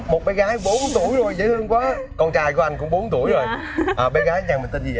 một bé gái bốn tuổi rồi dễ thương quá con trai của anh cũng bốn tuổi rồi à bé gái nhà mình tên gì vậy